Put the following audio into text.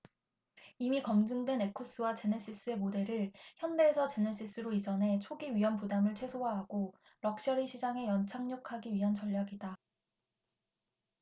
이미 검증된 에쿠스와 제네시스의 모델을 현대에서 제네시스로 이전해 초기 위험부담을 최소화하고 럭셔리 시장에 연착륙하기 위한 전략이다